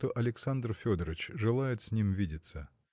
что Александр Федорыч желает с ним видеться.